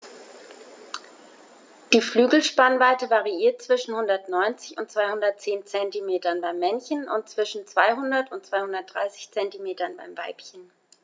Die Flügelspannweite variiert zwischen 190 und 210 cm beim Männchen und zwischen 200 und 230 cm beim Weibchen.